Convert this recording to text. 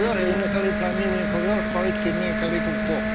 ...cofio rein yn ca'l eu plannu wi'n cofio'r coed cyn 'ny'n ca'l 'u gwmpo.